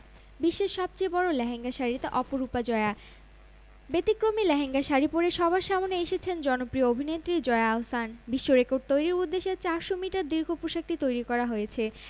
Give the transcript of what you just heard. Ittefaq desk হতে সংগৃহীত প্রকাশের সময় ২৫মার্চ ২০১৮ ১ টা ৩৬ মিনিট সূত্র রয়টার্স